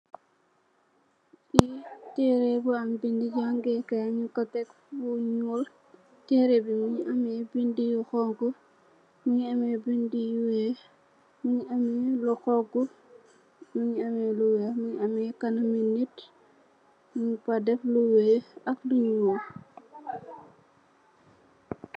Fii teere bu am binde jangekaay, nyun ko teg fu nyuul, teere bi mingi amme binde yu xonxu, mingi amme binde yu weex, mingi amme lu xonxu, mingi amme lu weex, mingi amme kanam mi nit, nyun fa def lu weex ak lu nyuul.